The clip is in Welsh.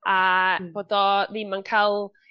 A bod o ddim yn ca'l